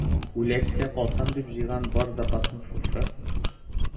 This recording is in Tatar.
Үлә-китә калсам дип җыйган бар запасым шушы.